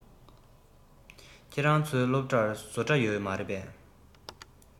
ཁྱོད རང ཚོའི སློབ གྲྭར བཟོ གྲྭ ཡོད མ རེད པས